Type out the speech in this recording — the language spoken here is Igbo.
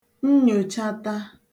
nnyòchata